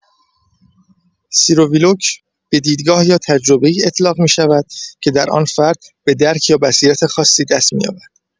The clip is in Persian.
سیرویلوک، به دیدگاه یا تجربه‌ای اطلاق می‌شود که در آن فرد به درک یا بصیرت خاصی دست می‌یابد.